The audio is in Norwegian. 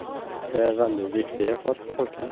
Det er veldig viktig for folkene.